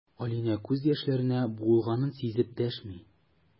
Алинә күз яшьләренә буылганын сизеп дәшми.